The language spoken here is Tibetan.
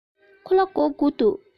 ཁོ ལ སྒོར དགུ འདུག